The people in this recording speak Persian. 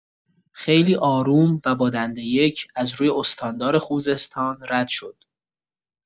خیلی آروم و با دنده یک از روی استاندار خوزستان رد شد!